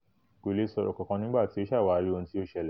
Kó lèe sọ̀rọ̀ kankan nígbà tí ó ṣàwárí ohun tí ó ṣẹlẹ̀.